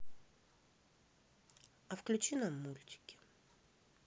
а включи нам мультики